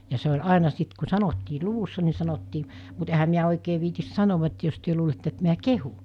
ja se oli aina sitten kun sanottiin luvussa niin sanottiin mutta enhän minä oikein viitsi sanoa että jos te luulette että minä kehun